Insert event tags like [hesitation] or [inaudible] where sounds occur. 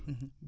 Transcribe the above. [hesitation] [hesitation]